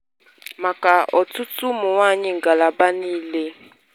Maka ọtụtụ ụmụnwaanyị na ngalaba niile.